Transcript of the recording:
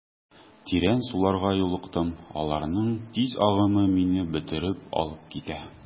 Тирән суларга юлыктым, аларның тиз агымы мине бөтереп алып китә.